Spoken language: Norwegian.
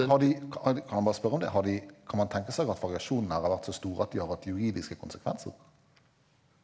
har de kan man bare spørre om det har de kan man tenke seg at variasjonen her har vært så store at de har hatt juridiske konsekvenser?